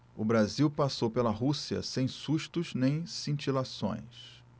o brasil passou pela rússia sem sustos nem cintilações